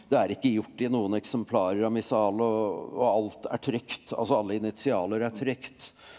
det er ikke gjort i noen eksemplarer av Missale og og alt er trykt altså alle initialer er trykt.